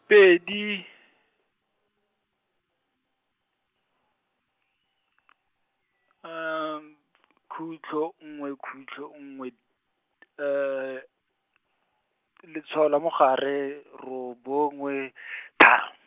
pedi , khutlo nngwe khutlo nngwe , letshwao la mo gare, robongwe , tharo.